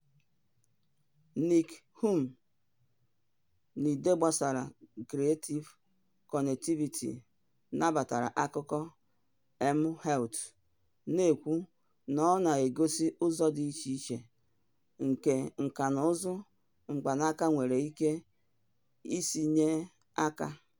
Nick Hunn, n'ide gbasara Creative Connectivity, nabatara akụkọ mHealth, na-ekwu na ọ na-egosị ụzọ dị icheiche nke nkanụzụ mkpanaka nwere ike isi nye aka.